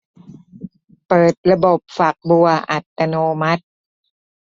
เปิดระบบฝักบัวอัตโนมัติ